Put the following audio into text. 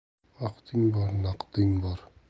vaqting bor naqding bor